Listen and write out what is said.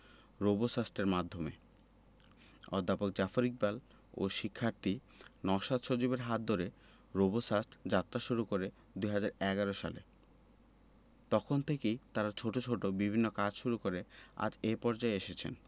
রোবোসাস্টের মাধ্যমে অধ্যাপক জাফর ইকবাল ও শিক্ষার্থী নওশাদ সজীবের হাত ধরে রোবোসাস্ট যাত্রা শুরু করে ২০১১ সালে তখন থেকেই তারা ছোট ছোট বিভিন্ন কাজ শুরু করে আজ এ পর্যায়ে এসেছেন